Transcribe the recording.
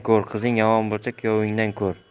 qizing yomon bo'lsa kuyovingdan ko'r